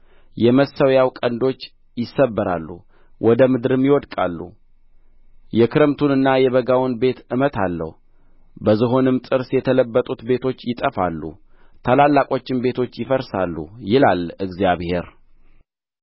የመሠዊያው ቀንዶች ይሰበራሉ ወደ ምድርም ይወድቃሉ የክረምቱንና የበጋውን ቤት እመታለሁ በዝሆንም ጥርስ የተለበጡት ቤቶች ይጠፋሉ ታላላቆችም ቤቶች ይፈርሳሉ ይላል እግዚአብሔር